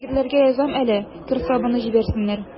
Егетләргә язам әле: кер сабыны җибәрсеннәр.